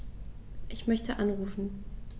Ich möchte anrufen.